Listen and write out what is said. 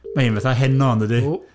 Mae hyn fatha Heno, yn dydy... W!